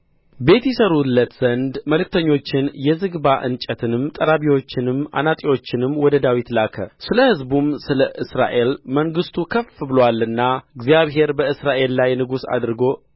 ቤት ይሠሩለት ዘንድ መልእክተኞችን የዝግባ እንጨትንም ጠራቢዎችንም አናጢዎችንም ወደ ዳዊት ላከ ስለ ሕዝቡም ስለ እስራኤል መንግሥቱ ከፍ ብሎአልና እግዚአብሔር በእስራኤል ላይ ንጉሥ አድርጎ